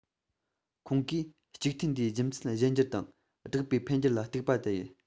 ཁོང གིས གཅིག མཐུན འདིའི རྒྱུ མཚན གཞན འགྱུར དང སྦྲགས པའི འཕེལ འགྱུར ལ གཏུག པ དེ ཡིན